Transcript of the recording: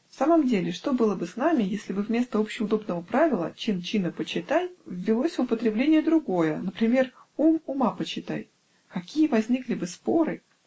В самом деле, что было бы с нами, если бы вместо общеудобного правила: чин чина почитай, ввелось в употребление другое, например: ум ума почитай? Какие возникли бы споры!